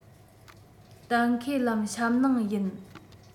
གཏན འཁེལ ལམ གཤམ ནང ཡིན